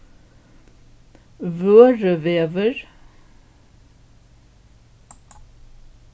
vørðuvegur